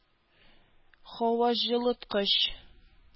Һаваҗылыткыч